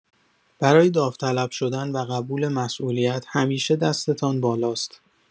برای داوطلب‌شدن و قبول مسئولیت همیشه دستتان بالاست.